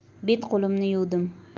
bet qo'limni yuvdim